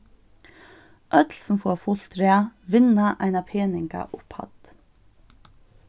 øll sum fáa fult rað vinna eina peningaupphædd